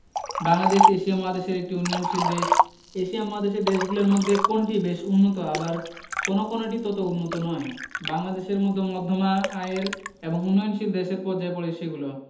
Bangladesh Asia মহাদেশের একটি উন্নয়নশীল দেশ এশিয়া মহাদেশের দেশগুলোর মধ্যে কোনটি বেশ উন্নত আবার কোনো কোনোটি তত উন্নত নয় বাংলাদেশের মতো মধ্যমা আয়ের এবং উন্নয়নশীল দেশের পর্যায়ে পড়ে সেগুলো